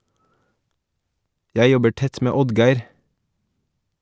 - Jeg jobber tett med Oddgeir.